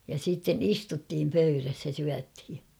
ja sitten istuttiin pöydässä ja syötiin